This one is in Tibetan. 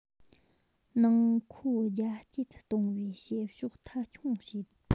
ནང མཁོ རྒྱ སྐྱེད གཏོང བའི བྱེད ཕྱོགས མཐའ འཁྱོངས བྱེད